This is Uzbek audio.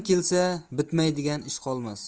kelsa bitmaydigan ish qolmas